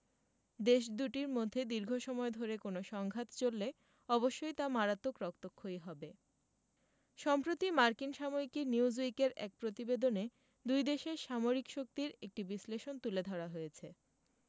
দেশ দুটির মধ্যে দীর্ঘ সময় ধরে কোনো সংঘাত চললে অবশ্যই তা মারাত্মক রক্তক্ষয়ী হবে সম্প্রতি মার্কিন সাময়িকী নিউজউইকের এক প্রতিবেদনে দুই দেশের সামরিক শক্তির একটি বিশ্লেষণ তুলে ধরা হয়েছে